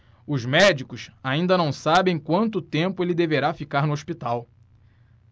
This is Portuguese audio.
os médicos ainda não sabem quanto tempo ele deverá ficar no hospital